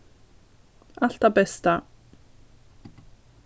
alt tað besta